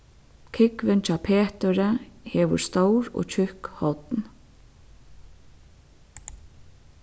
kúgvin hjá peturi hevur stór og tjúkk horn